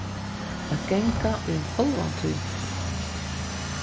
lat ganga í ein hálvan tíma